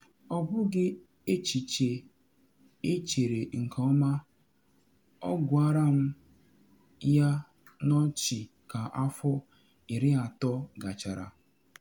“Ọ bụghị echiche echere nke ọma, “ọ gwara m ya n’ọchị ka afọ 30 gachara.